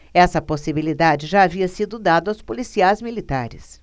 essa possibilidade já havia sido dada aos policiais militares